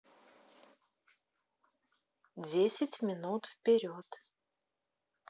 десять минут вперед